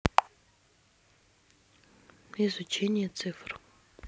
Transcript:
изучение цифр